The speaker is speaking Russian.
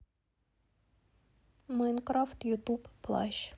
майнкрафт ютуб плащ